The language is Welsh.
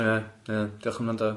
Ia, ia dioch am wrando.